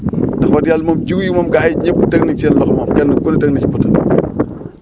ndax wax dëgg yàlla moom jiw yi moom gars yi ñëpp teg nañ si seen loxo moom kenn ku ne teg na si bët